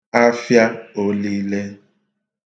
afịa ōlile